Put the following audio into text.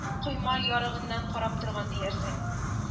Койма ярыгыннан карап торган диярсең…